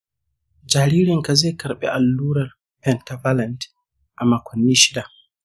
jaririnka zai karɓi allurar pentavalent a makonni shida.